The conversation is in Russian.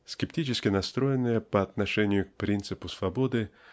"Скептически настроенные по отношению к принципу свободы